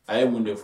A ye mun de fɔ